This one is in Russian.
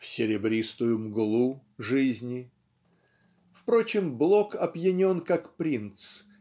в "серебристую мглу" жизни. Впрочем Блок опьянен как принц